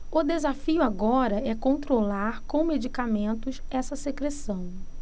o desafio agora é controlar com medicamentos essa secreção